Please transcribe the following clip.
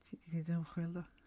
Ti 'di wneud dy ymchwil do?